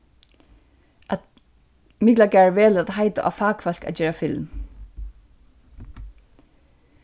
at miklagarður velur at heita á fakfólk at gera film